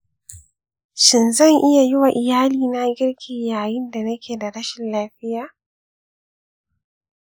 shin zan iya yi wa iyalina girki yayin da nake da rashin lafiya?